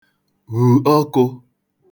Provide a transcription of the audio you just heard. hwù ọkụ